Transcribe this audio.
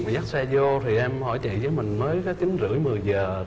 mà dắt xe dô thì em hỏi chị nếu mình mới có chín rưỡi mười giờ